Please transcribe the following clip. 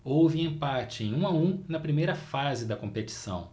houve empate em um a um na primeira fase da competição